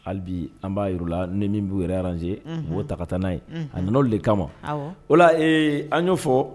Halibi an b'a yɔrɔla ni min b'u yɛrɛ ze'o ta ka taa n'a ye a nan de kama o la an'o fɔ